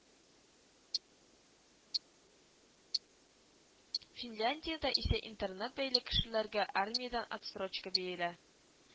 Финляндиядә исә интернет-бәйле кешеләргә армиядән отсрочка бирелә